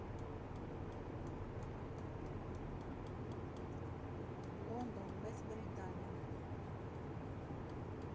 Լոնդոն, Մեծ Բրիտանիա։